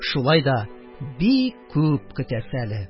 Шулай да бик күп көтәсе әле...